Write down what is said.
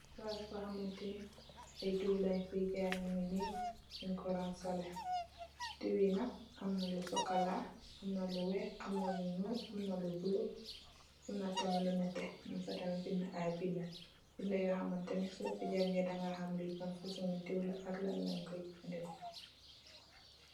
Palaas bo hamantene ay dew leen fi jaye, mu ngi ni nung ko rangsalè. Dew yi nak amna lu sokola, amna lu weeh, Amna lu ñuul, amna lu bulo, amna tamit lu nètè. Nung fa tamit binda ay binda. Binda yo hamantene so ko jàngay daga hamne li ban fasung ngi dew la ak Lan leen koy jafadeko.